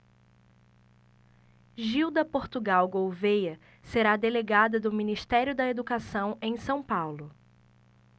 gilda portugal gouvêa será delegada do ministério da educação em são paulo